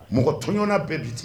Mɔgɔ tɔɲɔnna bɛɛ bi ten